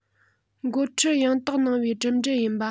འགོ ཁྲིད ཡང དག གནང བའི གྲུབ འབྲས ཡིན པ